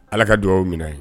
Ala ka dugaw minɛ ye